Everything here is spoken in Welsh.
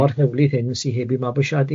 ...o'r hewlydd hyn sy heb eu mabwysiadu.